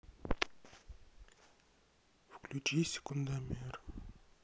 включи секундомер